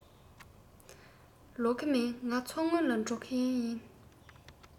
ལོག གི མིན ང མཚོ སྔོན ལ འགྲོ མཁན ཡིན